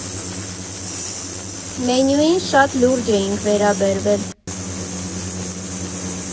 Մենյուին շատ լուրջ էինք վերաբերվել։